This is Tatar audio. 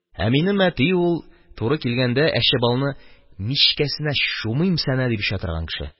Ә минем әти ул, туры килгәндә, әче балны «мичкәсенә чумыймсана» дип эчә торган кеше.